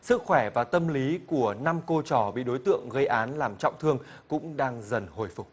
sức khỏe và tâm lý của năm cô trò bị đối tượng gây án làm trọng thương cũng đang dần hồi phục